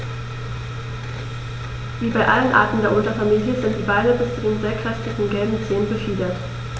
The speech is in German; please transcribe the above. Wie bei allen Arten der Unterfamilie sind die Beine bis zu den sehr kräftigen gelben Zehen befiedert.